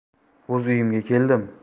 o'z uyimga keldim